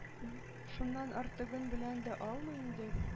Шуннан артыгын белә дә алмый иде.